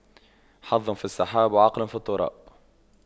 حظ في السحاب وعقل في التراب